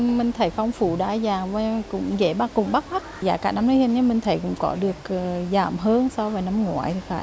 mình thấy phong phú đa dạng và cũng dễ bắt cũng bắt mắt giá cả năm nay hình như mình thấy cũng có được giảm hơn so với năm ngoái thì phải